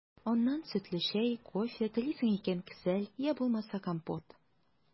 Аннан сөтле чәй, кофе, телисең икән – кесәл, йә булмаса компот.